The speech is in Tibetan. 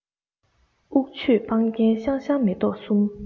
ཨུག ཆོས སྤང རྒྱན ཤང ཤང མེ ཏོག གསུམ